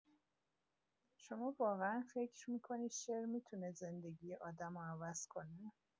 شما واقعا فکر می‌کنید شعر می‌تونه زندگی آدمو عوض کنه؟